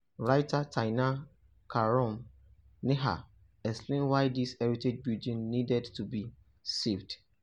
Writer Tania Kamrun Nahar explained why this heritage building needed to be saved: